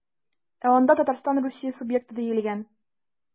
Ә анда Татарстан Русия субъекты диелгән.